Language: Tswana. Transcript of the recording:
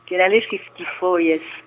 ke na le fifty four years.